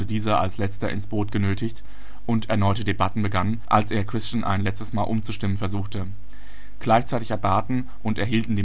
dieser als letzter ins Boot genötigt, und erneute Debatten begannen, als er Christian ein letztes Mal umzustimmen versuchte. Gleichzeitig erbaten und erhielten